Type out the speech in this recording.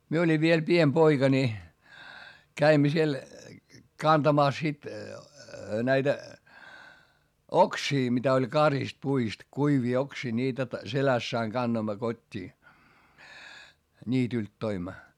minä olin vielä pieni poika niin kävimme siellä kantamassa sitten näitä oksia mitä oli karissut puista kuivia oksia niitä - selässä aina kannoimme kotiin niityltä toimme